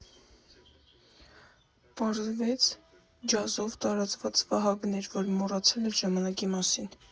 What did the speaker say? Պարզվեց՝ ջազով տարված Վահագնն էր, որ մոռացել էր ժամանակի մասին։